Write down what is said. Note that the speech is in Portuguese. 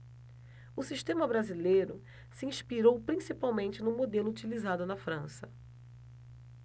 o sistema brasileiro se inspirou principalmente no modelo utilizado na frança